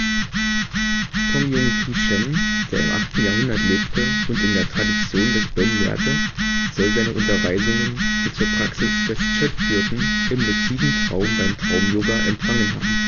Tongjung Thuchen, der im 8. Jahrhundert lebte und in der Tradition des Bön lehrte, soll seine Unterweisungen, die zur „ Praxis des Chöd “führten, im luziden Traum beim Traumyoga empfangen haben